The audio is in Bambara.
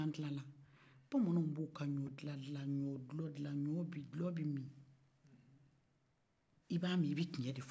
n'a kilala bamanaw b'o ka ɲɔ halala ɲɔ dulɔ kilan ɲɔ dulɔ bɛ mi n'i ya min i bɛ cɛn de fɔ